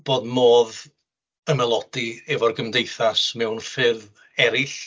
Bod modd ymaelodi efo'r gymdeithas mewn ffyrdd eraill.